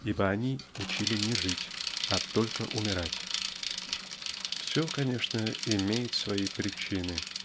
ибо они учили не жить, а только умирать. Все, конечно, имеет свои причины.